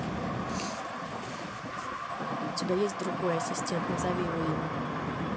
у тебя есть другой ассистент назови его имя